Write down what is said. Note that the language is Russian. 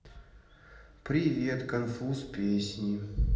привет конфуз песни